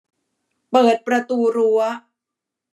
เปิดประตูรั้ว